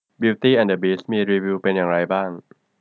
บิวตี้แอนด์เดอะบีสต์มีรีวิวเป็นอย่างไรบ้าง